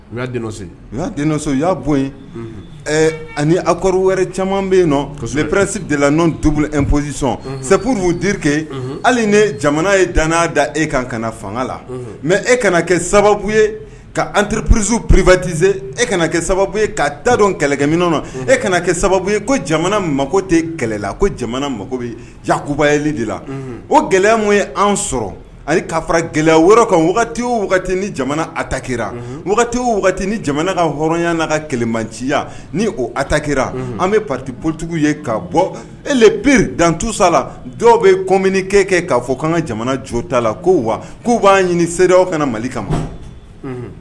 Uso u y'a bɔyi ani ak wɛrɛ caman bɛ yenle ppresi dela psisɔn sepuruke hali ni jamana ye dan da e kan kana fanga la mɛ e kana kɛ sababu ye ka an tirep pererisi pereptiz e kana kɛ sababu ye ka tadon kɛlɛkɛ min na e kana kɛ sababu ye ko jamana mako tɛ kɛlɛla ko jamana mako bɛ jakubali de la o gɛlɛya ma ye an sɔrɔ ani ka fara gɛlɛya wɛrɛ kan wagati o wagati ni jamana atakiw wagati ni jamana ka hɔrɔnya na ka kɛlɛmanciya ni o ataki an bɛ pti pttigiw ye ka bɔ epri dan tusa la dɔw bɛ kom kɛ kɛ k'a fɔ' ka jamana jota la ko wa k'u b'an ɲini seerew ka mali kama ma